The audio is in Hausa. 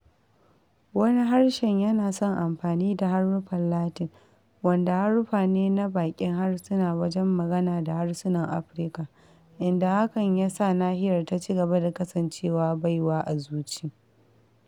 Wani harshen yana son amfani da haruffan Latin, wanda harufa ne na baƙin harsuna wajen magana da harsunan Afirka, inda hakan ya sa nahiyar ta ci gaba da kasancewa baiwa a zuci.